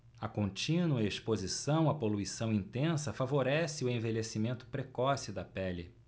a contínua exposição à poluição intensa favorece o envelhecimento precoce da pele